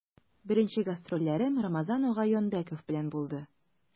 Беренче гастрольләрем Рамазан ага Янбәков белән булды.